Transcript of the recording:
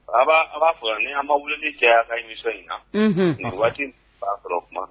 Baba a b'a fɔ ni an ma wuli ni cɛ ka ɲisɔn in na nka waati fa sɔrɔ kuma